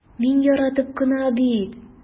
Мин яратып кына бит...